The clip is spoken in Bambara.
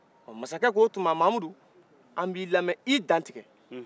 masakɛ o tuman mamudu an b'i lamɛ i dantigɛ